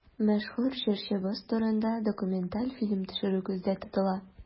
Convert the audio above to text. Мәшһүр җырчыбыз турында документаль фильм төшерү күздә тотыла.